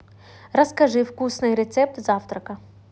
расскажи вкусный рецепт завтрака